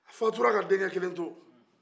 a fatura ka denkɛ kelen to